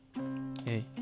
eyyi